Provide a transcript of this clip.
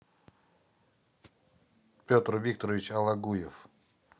петр викторович алагуев